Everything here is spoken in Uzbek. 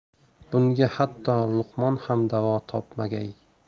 bunga hatto luqmon ham davo topmagay